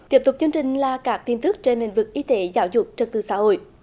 tiếp tục chương trình là các tin tức trên lĩnh vực y tế giáo dục trật tự xã hội